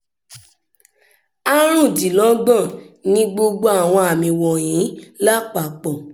25 ni gbogbo àwọn àmì wọ̀nyí lápapọ̀.